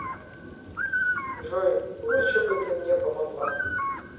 джой лучше бы ты мне помогла